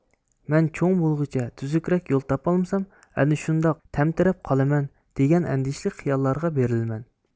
مەن چوڭ بولغۇچە تۈزۈگرەك يول تاپالمىسام ئەنە شۇنداق تەمتىرەپ قالىمەن دىگەن ئەندىشىلىك خىياللارغا بېرىلىمەن